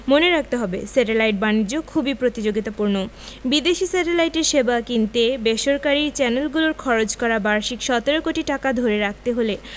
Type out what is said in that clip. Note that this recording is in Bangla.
মনে রাখতে হবে স্যাটেলাইট বাণিজ্য খুবই প্রতিযোগিতাপূর্ণ বিদেশি স্যাটেলাইটের সেবা কিনতে বেসরকারি চ্যানেলগুলোর খরচ করা বার্ষিক ১৭ কোটি টাকা ধরে রাখতে হলে